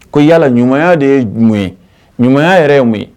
Ko yalala ɲumanya de ye numu ye ɲuman yɛrɛ ye ye